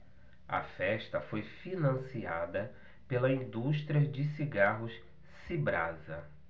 a festa foi financiada pela indústria de cigarros cibrasa